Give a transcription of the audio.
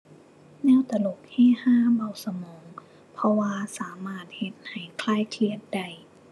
แนวตลก เฮฮา เบาสมอง เพราะว่าสามารถเฮ็ดให้คลายเครียดได้